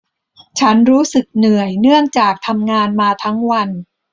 ฉันรู้สึกเหนื่อยเนื่องจากทำงานมาทั้งวัน